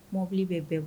Mobile bɛ bɛɛ bɔ.